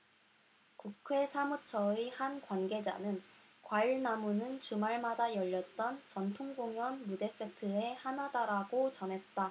국회 사무처의 한 관계자는 과일나무는 주말마다 열렸던 전통공연 무대세트의 하나다라고 전했다